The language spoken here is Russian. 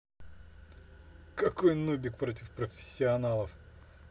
какой нубик против профессионалов